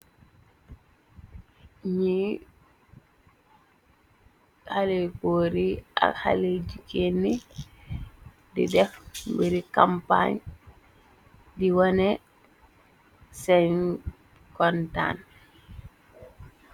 Ñyi haley gòor yi ak haley jigéen yi di deff biri campagn di wënè senn kontan.